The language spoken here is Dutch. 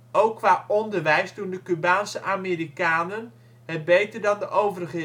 Ook qua onderwijs doen de Cubaanse Amerikanen het beter dan de overige